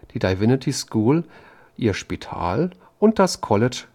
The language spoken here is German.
Divinity School ihr Spital und das College